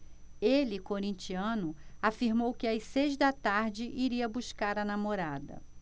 ele corintiano afirmou que às seis da tarde iria buscar a namorada